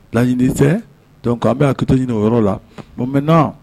Laɲini tɛ an bɛ a ki ɲini o yɔrɔ la bɔn mɛna